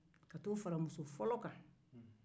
ka t'o fara muso fɔlɔ kan